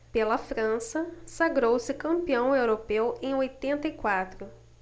pela frança sagrou-se campeão europeu em oitenta e quatro